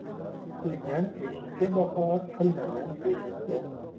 qilgan eshikka boqar qilmagan teshikka